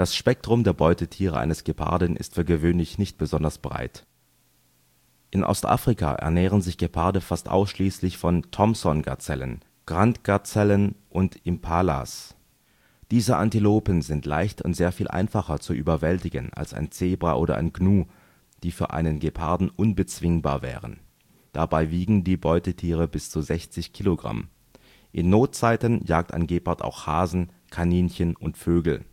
Spektrum der Beutetiere eines Geparden ist für gewöhnlich nicht besonders breit. In Ostafrika ernähren sich Geparde fast ausschließlich von Thomson-Gazellen, Grant-Gazellen und Impalas. Diese Antilopen sind leicht und sehr viel einfacher zu überwältigen als ein Zebra oder ein Gnu, die für einen Geparden unbezwingbar wären. Dabei wiegen die Beutetiere bis zu 60 kg. In Notzeiten jagt ein Gepard auch Hasen, Kaninchen und Vögel